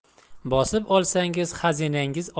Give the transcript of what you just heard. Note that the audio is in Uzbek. bosib olsangiz xazinangiz